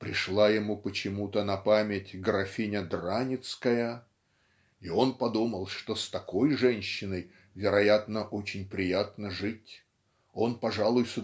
"Пришла ему почему-то на память графиня Драницкая и он подумал что с такой женщиной вероятно очень приятно жить он пожалуй